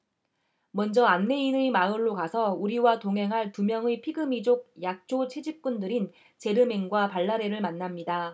먼저 안내인의 마을로 가서 우리와 동행할 두 명의 피그미족 약초 채집꾼들인 제르멘과 발라레를 만납니다